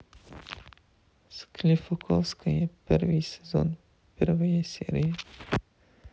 склифосовский первый сезон первая серия